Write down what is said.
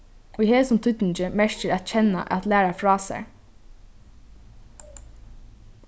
í hesum týdningi merkir at kenna at læra frá sær